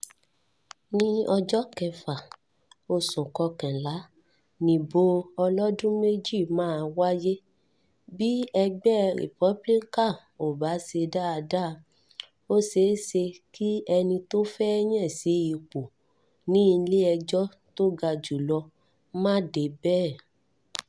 Ní ọjọ kẹfà, oṣù kọkànlá, nìbò ọlọ́dún mẹ́jì máa wáye, Bí egbẹ́ Republican ‘ò bá se dáadáa, ó ṣeéṣe kí ẹni t’ọ́n fẹ́ yàn sí ipo ní ilé-ẹjọ́ to ga jùlọ má débẹ̀.